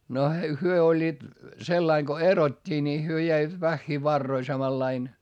no he olivat sillä lailla kun erottiin niin he jäivät vähiin varoihin samalla lailla